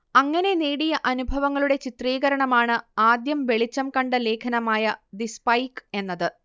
അങ്ങനെ നേടിയ അനുഭവങ്ങളുടെ ചിത്രീകരണമാണ് ആദ്യം വെളിച്ചം കണ്ട ലേഖനമായ ദി സ്പൈക്ക് എന്നത്